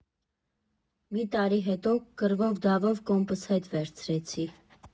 Մի տարի հետո կռվով֊դավով կոմպս հետ վերցրեցի։